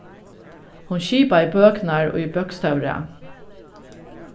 hon skipaði bøkurnar í bókstavarað